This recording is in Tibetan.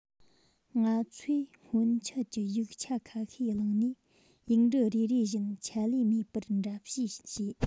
ང ཚོས སྔོན ཆད ཀྱི ཡིག ཆ ཁ ཤས བླངས ནས ཡིག འབྲུ རེ རེ བཞིན ཆད ལུས མེད པར འདྲ བཤུས བྱས